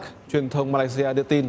truyền thông ma lai si a đưa tin